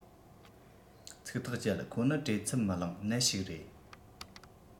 ཚིག ཐག བཅད ཁོ ནི བྲེལ འཚུབ མི ལངས ནད ཞིག རེད